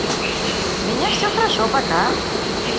меня все хорошо пока